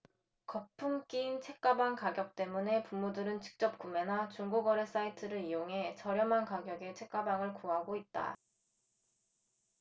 거품 낀 책가방 가격 때문에 부모들은 직접구매나 중고거래 사이트를 이용해 저렴한 가격에 책가방을 구하고 있다